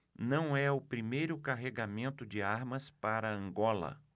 não é o primeiro carregamento de armas para angola